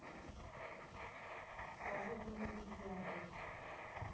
скажи ингридиенты